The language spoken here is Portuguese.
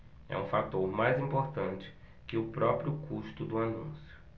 é um fator mais importante que o próprio custo do anúncio